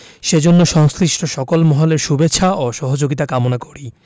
সেজন্য সংশ্লিষ্ট সকল মহলের শুভেচ্ছা ও সহযোগিতা কামনা করি